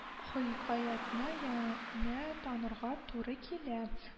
Хыйкаятьне янә танырга туры килә